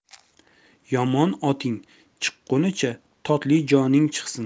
yomon oting chiqquncha totli joning chiqsin